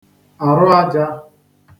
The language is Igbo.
àrụajā